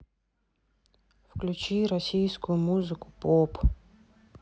включи российскую музыку поп